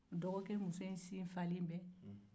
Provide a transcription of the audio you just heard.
dɔgɔkɛ muso in falen bɛ